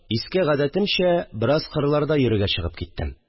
Иске гадәтемчә, бераз кырларда йөрергә чыгып киттем